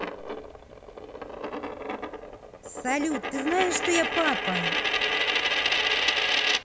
салют ты знаешь что я папа